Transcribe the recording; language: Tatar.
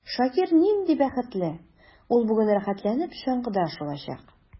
Шакир нинди бәхетле: ул бүген рәхәтләнеп чаңгыда шуачак.